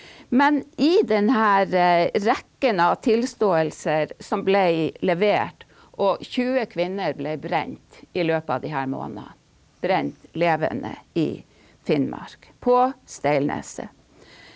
men i den her rekken av tilståelser som blei levert og 20 kvinner blei brent i løpet av de her månedene, brent levende i Finnmark på Steilneset.